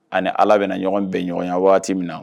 Ani ala bɛna na ɲɔgɔn bɛ ɲɔgɔnya waati min na